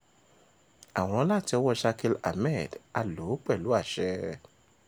Àwòrán láti ọwọ́ọ Shakil Ahmed. A lò ó pẹlú àṣẹ.